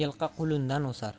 yilqi qulundan o'sar